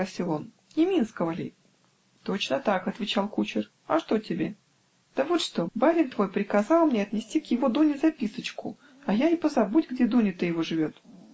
-- спросил он, -- не Минского ли?" -- "Точно так, -- отвечал кучер, -- а что тебе?" -- "Да вот что: барин твой приказал мне отнести к его Дуне записочку, а я и позабудь, где Дуня-то его живет".